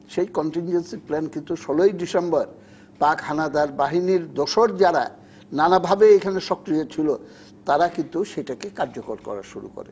সে contingency plan কিন্তু ১৬ ই December Pak হানাদার বাহিনীর দোসর যারা নানাভাবে এখানে সক্রিয় ছিল তারা কিন্তু সেটাকে কার্যকর করা শুরু করে